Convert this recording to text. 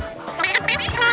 năm